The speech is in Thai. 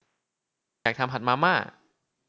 อยากทำผัดมาม่า